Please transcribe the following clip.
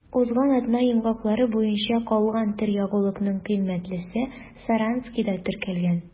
Узган атна йомгаклары буенча калган төр ягулыкның кыйммәтлесе Саранскида теркәлгән.